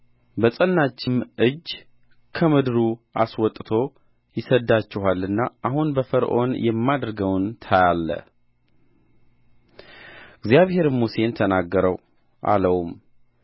በጸናችም እጅ ከምድሩ አስወጥቶ ይሰድዳቸዋልና አሁን በፈርዖን የማደርገውን ታያለህ እግዚአብሔርም ሙሴን ተናገረው አለውም